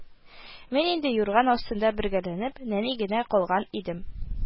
Мин инде юрган астында бөгәрләнеп, нәни генә калган идем